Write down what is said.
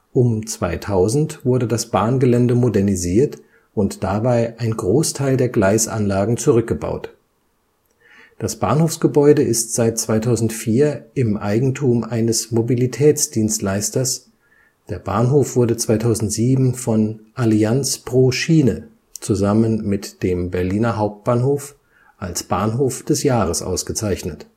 Um 2000 wurde das Bahngelände modernisiert und dabei ein Großteil der Gleisanlagen zurückgebaut. Das Bahnhofsgebäude ist seit 2004 im Eigentum eines Mobilitätsdienstleisters, der Bahnhof wurde 2007 von Allianz pro Schiene zusammen mit dem Berliner Hauptbahnhof als Bahnhof des Jahres ausgezeichnet